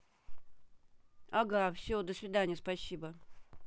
ага все до свидания спасибо